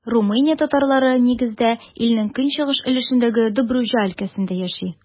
Румыния татарлары, нигездә, илнең көнчыгыш өлешендәге Добруҗа өлкәсендә яши.